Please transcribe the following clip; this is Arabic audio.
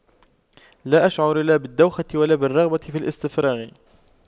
لا أشعر لا بالدوخة ولا بالرغبة في الاستفراغ